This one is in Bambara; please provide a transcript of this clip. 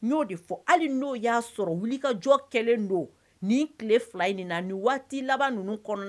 Ɲ'o de fɔ hali n'o y'a sɔrɔ wulikajɔ kɛlen don nin tile 2 in na nin waati laban nunnu kɔɔnl